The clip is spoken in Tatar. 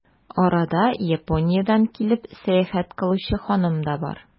Арада, Япониядән килеп, сәяхәт кылучы ханым да бар.